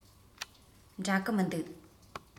འདྲ གི མི འདུག